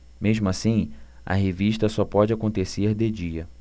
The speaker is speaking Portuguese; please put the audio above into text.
mesmo assim a revista só pode acontecer de dia